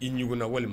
I ɲigunna walima